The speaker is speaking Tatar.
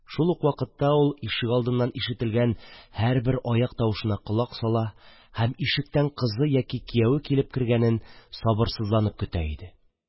Шул ук вакытта, ул ишегалдыннан ишетелгән һәрбер аяк тавышына колак сала һәм ишектән кызы яки кияве килеп кергәнен сабырсызланып көтә иде.